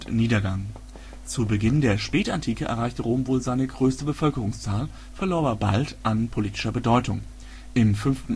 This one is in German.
Niedergang Europa um 450 n.Chr. Zu Beginn der Spätantike erreichte Rom wohl seine größte Bevölkerungszahl, verlor aber bald an politischer Bedeutung. Im 5.